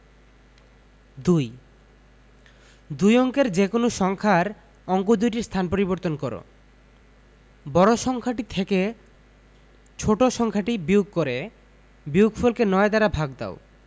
২ দুই অঙ্কের যেকোনো সংখ্যার অঙ্ক দুইটির স্থান পরিবর্তন কর বড় সংখ্যাটি থেকে ছোট ছোট সংখ্যাটি বিয়োগ করে বিয়োগফলকে ৯ দ্বারা ভাগ দাও